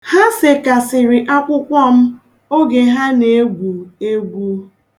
Ha sekasịrị akwụkwọ m oge ha na-egwu egwu.